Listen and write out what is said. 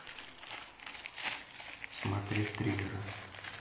смотреть триллеры